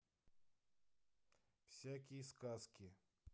всякие сказки